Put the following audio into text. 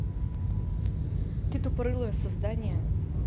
ты тупорылое создание